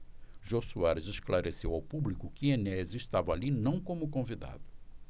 jô soares esclareceu ao público que enéas estava ali não como convidado